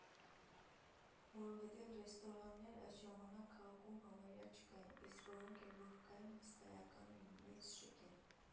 Որովհետև ռեստորաններ այդ ժամանակ քաղաքում համարյա չկային, իսկ որոնք էլ որ կային՝ հսկայական էին, մեծ, շքեղ։